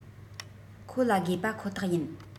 ཁོ ལ དགོས པ ཁོ ཐག ཡིན